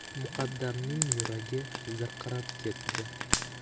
muqaddamning yuragi zirqirab ketdi